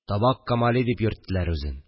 Табак Камали дип йөрттеләр үзен